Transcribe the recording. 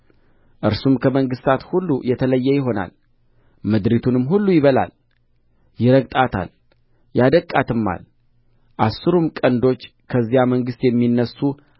እርሱም ከመንግሥታት ሁሉ የተለየ ይሆናል ምድሪቱንም ሁሉ ይበላል ይረግጣታል ያደቅቃትማል አሥሩም ቀንዶች ከዚያ መንግሥት የሚነሡ